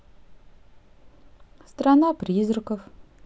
страна призраков